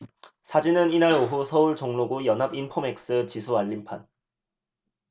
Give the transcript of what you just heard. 사진은 이날 오후 서울 종로구 연합인포맥스 지수 알림판